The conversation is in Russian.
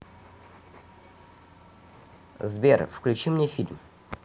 сбер включи мне фильм